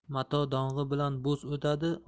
mato dong'i bilan bo'z o'tadi